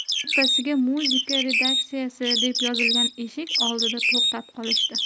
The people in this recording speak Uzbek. tepasiga muzika redaksiyasi deb yozilgan eshik oldida to'xtab qolishdi